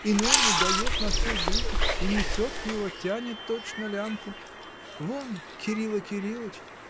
Иному дает на всю жизнь — и несет его, тянет точно лямку. Вон Кирила Кирилыч.